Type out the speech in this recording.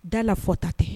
Da fɔta tɛ